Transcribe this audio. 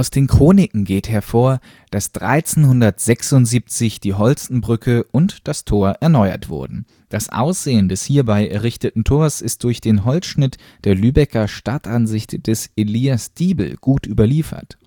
den Chroniken geht hervor, dass 1376 die Holstenbrücke und das Tor erneuert wurden. Das Aussehen des hierbei errichteten Tors ist durch den Holzschnitt der Lübecker Stadtansicht des Elias Diebel gut überliefert